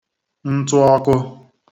ntụ ọkū